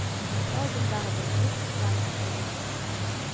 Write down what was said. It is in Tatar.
Вафа алдындагы бер кружка сыраны эчәргә тотынды